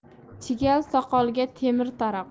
chigal soqolga temir taroq